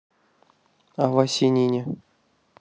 а васенине